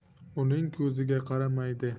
uning ko'ziga qaramaydi